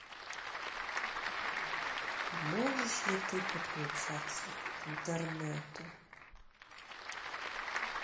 можешь ли ты подключаться к интернету